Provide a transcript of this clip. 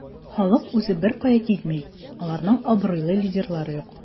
Халык үзе беркая китми, аларның абруйлы лидерлары юк.